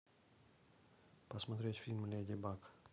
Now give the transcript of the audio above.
посмотреть мультфильм леди баг